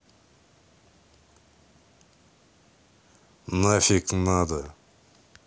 нафиг надо